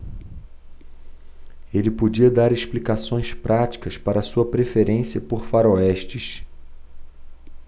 ele podia dar explicações práticas para sua preferência por faroestes